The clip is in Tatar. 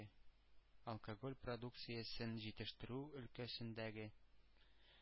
Алкоголь продукциясен җитештерү өлкәсендәге